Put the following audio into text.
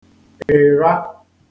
ị̀ra